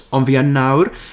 Ond fi yn nawr.